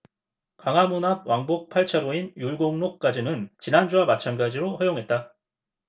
광화문 앞 왕복 팔 차로인 율곡로까지는 지난주와 마찬가지로 허용했다